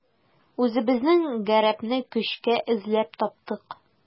Үзебезнең гарәпне көчкә эзләп таптык.